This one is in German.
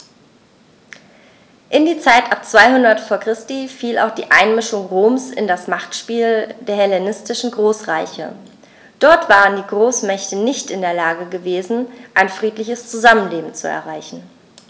In die Zeit ab 200 v. Chr. fiel auch die Einmischung Roms in das Machtspiel der hellenistischen Großreiche: Dort waren die Großmächte nicht in der Lage gewesen, ein friedliches Zusammenleben zu erreichen.